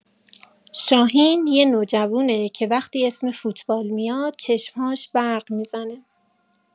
شاهین یه نوجوونه که وقتی اسم فوتبال میاد، چشم‌هاش برق می‌زنه.